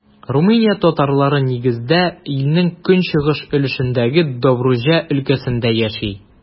Румыния татарлары, нигездә, илнең көнчыгыш өлешендәге Добруҗа өлкәсендә яши.